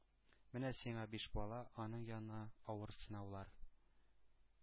Менә сиңа биш бала, аның янына авыр сынаулар,